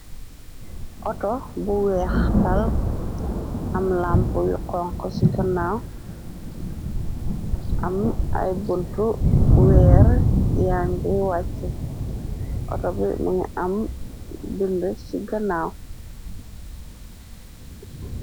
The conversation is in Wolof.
outo bu weex tal am lamp yu xonk ci gannaaw am ay buntu weer yangi wàcc oto b ni am bind ci gannaaw